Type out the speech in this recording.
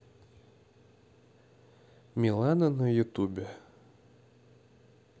милана на ютубе